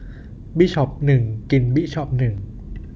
บืชอปหนึ่งกินบิชอปหนึ่ง